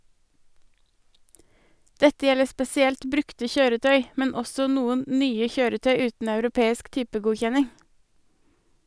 Dette gjelder spesielt brukte kjøretøy , men også noen nye kjøretøy uten europeisk typegodkjenning.